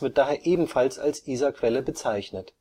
daher ebenfalls als Isarquelle bezeichnet